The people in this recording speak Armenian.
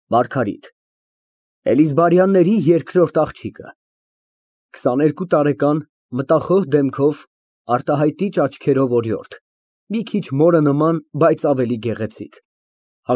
ՄԱՐԳԱՐԻՏ ֊ Էլիզբարյանների երկրորդ աղջիկը։ քսաներկու տարեկան, մտախոհ դեմքով, արտահայտիչ աչքերով օրիորդ՝ մի քիչ մորը նման, բայց ավելի գեղեցիկ։